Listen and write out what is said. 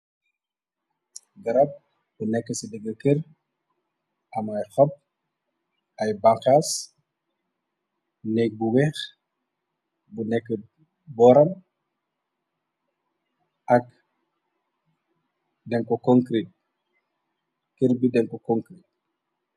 Garab bu nekk ci deggi kërr amay xob ay banxaas nekk bu weex bu nekk boram ak kerr bi denko concret.